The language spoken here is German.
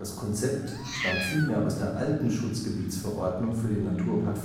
Konzept stammt vielmehr aus der alten Schutzgebietsverordnung für den Naturpark